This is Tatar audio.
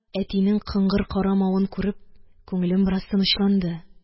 Әтинең кыңгыр карамавын күреп, күңелем бераз тынычланды